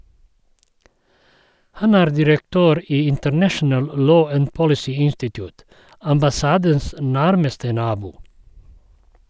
Han er direktør i "International law and policy institute", ambassadens nærmeste nabo.